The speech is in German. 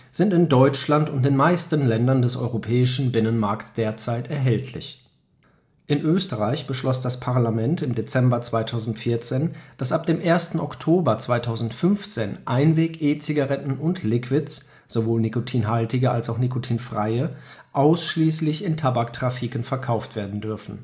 sind in Deutschland und den meisten Ländern des europäischen Binnenmarkts derzeit erhältlich. In Österreich beschloss das Parlament im Dezember 2014, dass ab dem 1. Oktober 2015 Einweg-E-Zigaretten und Liquids (sowohl nikotinhaltige als auch nikotinfreie) ausschließlich in Tabaktrafiken verkauft werden dürfen